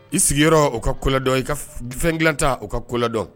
I sigiyɔrɔ u ka kolɔdɔn i ka fɛn dilan ta u ka kodɔn